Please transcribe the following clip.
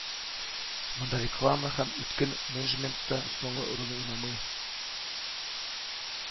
Монда реклама һәм үткен менеджмент та соңгы рольне уйнамый